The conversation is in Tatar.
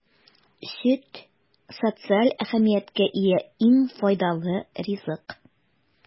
Сөт - социаль әһәмияткә ия иң файдалы ризык.